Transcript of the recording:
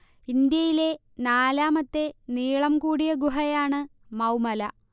ഇന്ത്യയിലെ നാലാമത്തെ നീളം കൂടിയ ഗുഹയാണ് മൌമല